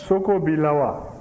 soko b'i la wa